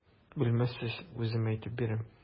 Белмәссез, үзем әйтеп бирәм.